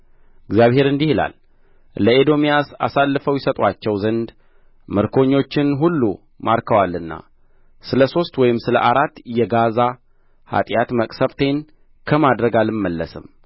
እግዚአብሔር እንዲህ ይላል ለኤዶምያስ አሳልፈው ይሰጡአቸው ዘንድ ምርኮኞችን ሁሉ ማርከዋልና ስለ ሦስት ወይም ስለ አራት የጋዛ ኃጢአት መቅሠፍቴን ከማድረግ አልመለስም